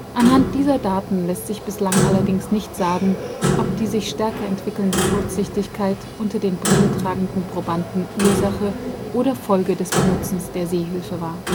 Anhand dieser Daten lässt sich bislang allerdings nicht sagen, ob die sich stärker entwickelnde Kurzsichtigkeit unter den Brille-tragenden Probanden Ursache oder Folge des Benutzens der Sehhilfe war